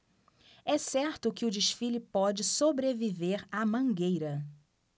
é certo que o desfile pode sobreviver à mangueira